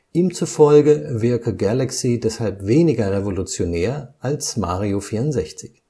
Ihm zufolge wirke Galaxy deshalb weniger revolutionär als Mario 64.